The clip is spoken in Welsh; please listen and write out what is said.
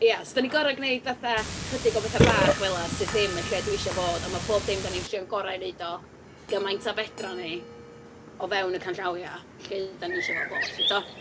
Ia so, dan ni'n gorfod gwneud fatha chydig o bethau bach fela, sy ddim y lle dwi isio fod. Ond ma' pob dim dan ni'n trio'n gorau i wneud o gymaint a fedra ni o fewn y canllawiau, lle dan ni isio fo fod, 'lly tibod?